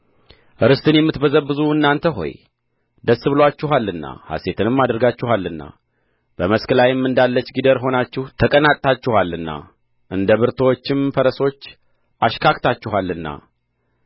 ርስቴን የምትበዘብዙ እናንተ ሆይ ደስ ብሎአችኋልና ሐሤትንም አድርጋችኋልና በመስክ ላይም እንዳለች ጊደር ሆናችሁ ተቀናጥታችኋልና እንደ ብርቱዎችም ፈረሶች አሽካክታችኋልና